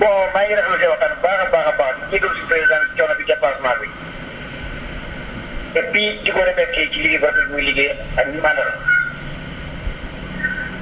bon maa ngi rafetlu seen waxtaan bi bu baax a baax a baax jiital si président si coono si déplacement bi et puis di ko remercié si liggéey bu rafet bi muy liggéey ak ñi mu àndal